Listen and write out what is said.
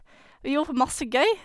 Vi gjorde på masse gøy.